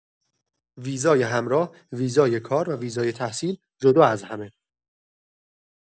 ویزای همراه، ویزای کار و ویزای تحصیل، جدا از همه.